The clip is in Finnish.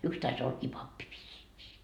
yksi taisi ollakin pappi vissiinkin